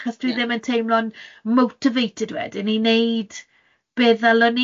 know, achos dwi ddim yn teimlo'n motivated wedyn i wneud be ddylwn